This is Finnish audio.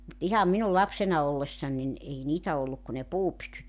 mutta ihan minun lapsena ollessani niin ei niitä ollut kuin ne puupytyt